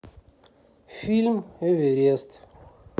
фильм эверест